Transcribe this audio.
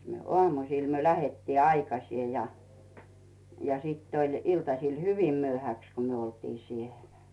mitenkäs minä aamuisin me lähdettiin aikaisin ja ja sitten oli iltasilla hyvin myöhäksi kun me oltiin siellä